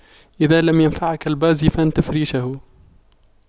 إذا لم ينفعك البازي فانتف ريشه